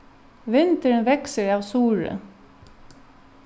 vindurin veksur av suðri